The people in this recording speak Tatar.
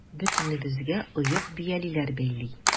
Бөтенебезгә оек-биялиләр бәйли.